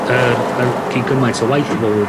yr yy cyn gymaint o waith i bobol.